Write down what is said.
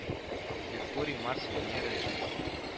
Меркурий Марс Венера Җир